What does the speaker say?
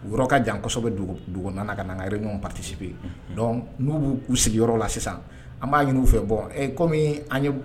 U yɔrɔ ka jansɔ kosɛbɛ dugu nana ka nagare ɲɔgɔn patisibi yen dɔn n'u b'u k'u sigiyɔrɔyɔrɔ la sisan an b'a ɲini fɛ bɔ kɔmi an ye